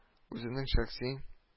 Үзенең шәхси